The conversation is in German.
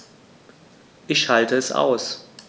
Ich schalte es aus.